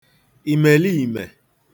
ìmèlìimè